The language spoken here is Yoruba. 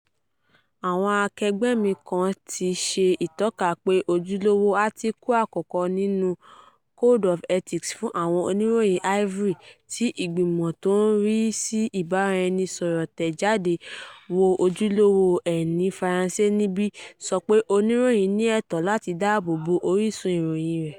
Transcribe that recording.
Àwọn akẹgbẹ́ mi kàn tí ṣe ìtọ́ka pé ojúlówó átíkù àkọ́kọ́ nínú Code of Ethics fún àwọn Oníròyìn Ivory tí Ìgbìmọ̀ tó ń rí sii Ìbánisọ̀rọ̀ tẹ jáde (wo ojúlówó ẹ ní Faranse níbí) sọ pé "Oníròyìn ní ẹ̀tọ̀ láti dáàbò bo orísun ìròyìn rẹ̀".